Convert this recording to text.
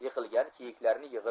yiqilgan kiyiklarni yig'ib